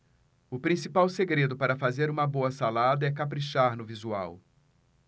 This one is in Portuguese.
o principal segredo para fazer uma boa salada é caprichar no visual